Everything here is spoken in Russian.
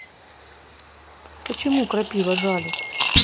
почему крапива жалит